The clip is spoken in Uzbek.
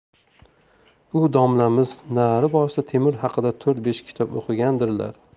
u domlamiz nari borsa temur haqida to'rt besh kitob o'qigandirlar